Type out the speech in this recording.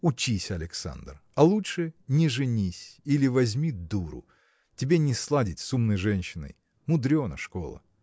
Учись, Александр, а лучше не женись или возьми дуру тебе не сладить с умной женщиной мудрена школа!